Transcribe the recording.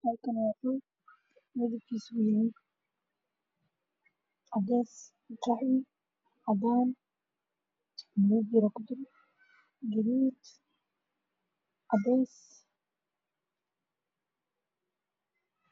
Meeshan waa qolkiilkiisa waa caddaan waxaa yaalo kuras gudida iyo miiska waxaana saaran waa talo farabadan